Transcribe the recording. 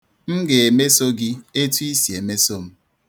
M ga-emeso gị etu i si emeso m.